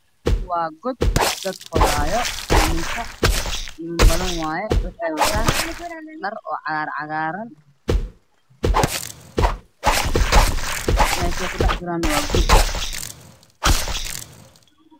Waa God dad qodaayo nimanka waa niman badan waxay wataan dhar cagaaran waxayna ku jiraan waa god